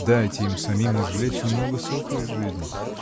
Дайте им самим извлечь немного соку из жизни.